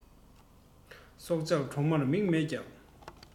སྲོག ཆགས གྲོག མ མིག མེད ཀྱང